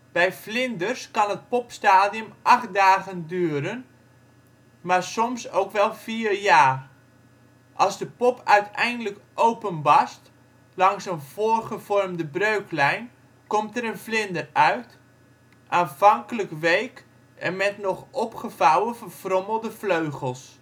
Bij vlinders kan het popstadium acht dagen duren, maar soms ook wel vier jaar. Als de pop uiteindelijk openbarst (langs een voorgevormde breuklijn) komt er een vlinder uit, aanvankelijk week en met nog opgevouwen, verfrommelde vleugels